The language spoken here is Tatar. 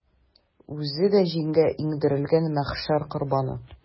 Үзе дә җиргә иңдерелгән мәхшәр корбаны.